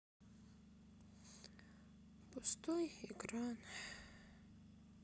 пустой экран